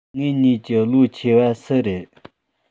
ངེད གཉིས ཀྱི ལོ ཆེ བ སུ རེད